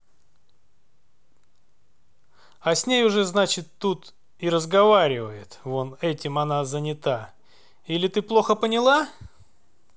а с ней уже значит тут и разговаривает вот этим она занята или ты плохо поняла